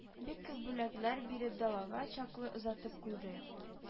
Бик күп бүләкләр биреп, далага чаклы озатып куйды